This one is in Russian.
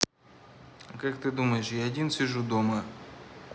как ты думаешь я один сижу дома